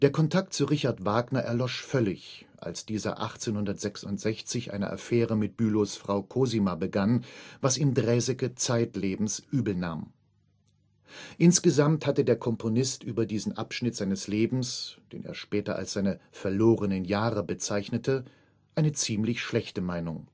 Kontakt zu Richard Wagner erlosch völlig, als dieser 1866 eine Affäre mit Bülows Frau Cosima begann, was ihm Draeseke zeitlebens übel nahm. Insgesamt hatte der Komponist über diesen Abschnitt seines Lebens, den er später als seine „ verlorenen Jahre “bezeichnete, eine ziemlich schlechte Meinung